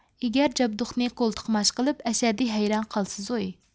ئېگەر جابدۇقنى قولتۇقماچ قىلىپ ئەشەددىي ھەيران قالىسىزۇي